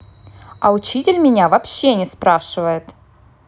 а учитель меня вообще не спрашивает